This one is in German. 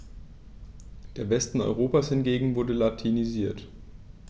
Der Westen Europas hingegen wurde latinisiert.